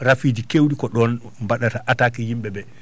rafiji kewɗi koɗon mbaɗata attaqué yimɓe ɓe